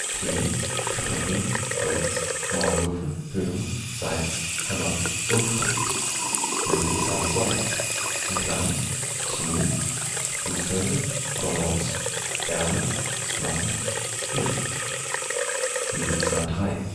Themen: Kartoffeln, Holz, Maulwürfe, Hören, Salz, Hammer, Unkraut) Löwenzahn 2 (Themen: Flugzeuge, Ballons, Erde, Wasser, Luft) Löwenzahn 3